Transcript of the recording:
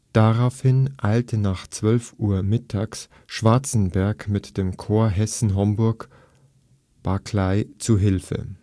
Daraufhin eilte nach 12 Uhr mittags Schwarzenberg mit dem Korps Hessen-Homburg Barclay zu Hilfe